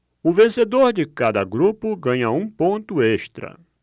o vencedor de cada grupo ganha um ponto extra